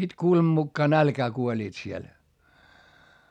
ja sitten kuuleman mukaan nälkään kuolivat siellä